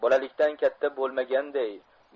bolalikdan katta bo'lmaganday